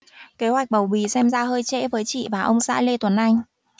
kế hoạch bầu bì xem ra hơi trễ với chị và ông xã lê tuấn anh